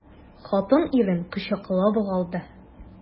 Хатын ирен кочаклап ук алды.